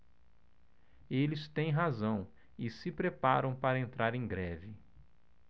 eles têm razão e se preparam para entrar em greve